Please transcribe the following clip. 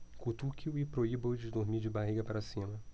cutuque-o e proíba-o de dormir de barriga para cima